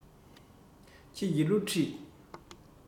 ཁྱེད ཀྱི བསླུ བྲིད